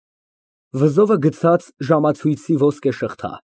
Վզովը գցած ժամացույցի ոսկե շղթա։